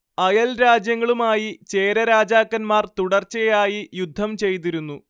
അയൽ രാജ്യങ്ങളുമായി ചേര രാജാക്കന്മാർ തുടർച്ചയായി യുദ്ധം ചെയ്തിരുന്നു